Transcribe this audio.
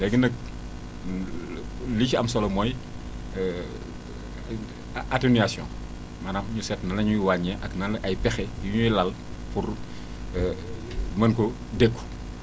léegi nag li ci am solo mooy atténuation maanaam ñu seet nan la ñuy wàññee ak nan la ay pexe yu ñuy lal pour mën ko dékku